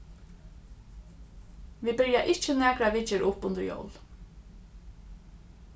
vit byrja ikki nakra viðgerð upp undir jól